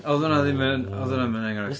Oedd hwnna ddim yn... oedd hwnna ddim yr enghraifft